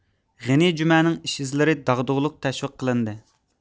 غېنى جۈمەنىڭ ئىش ئىزلىرى داغدۇغىلىق تەشۋىق قىلىندى